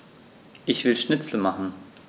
Ich will Schnitzel machen.